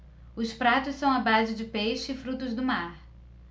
os pratos são à base de peixe e frutos do mar